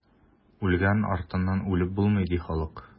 Үлгән артыннан үлеп булмый, ди халык.